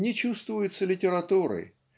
не чувствуется литературы